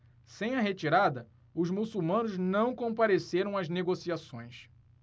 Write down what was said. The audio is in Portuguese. sem a retirada os muçulmanos não compareceram às negociações